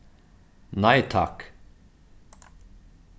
nei takk